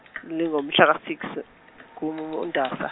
lingomhlaka six kuNdasa.